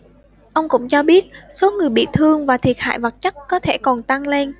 ông cũng cho biết số người bị thương và thiệt hại vật chất có thể còn tăng lên